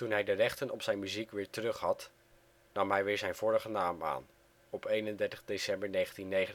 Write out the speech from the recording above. hij de rechten op zijn muziek weer terug had, nam hij weer zijn vroegere naam aan (31 december 1999